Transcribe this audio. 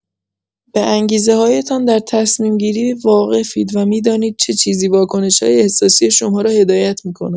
به انگیزه‌هایتان در تصمیم‌گیری واقفید و می‌دانید چه چیزی واکنش‌های احساسی شما را هدایت می‌کند.